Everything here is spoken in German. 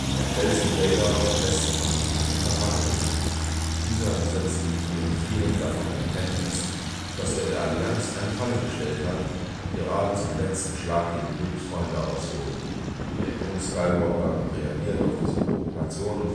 Er stellt sich Vader und lässt sich von ihm zum Imperator bringen. Dieser setzt ihn triumphierend davon in Kenntnis, dass er der Allianz eine Falle gestellt hat und gerade zum letzten Schlag gegen Lukes Freunde ausholt. Der junge Skywalker reagiert auf diese Provokation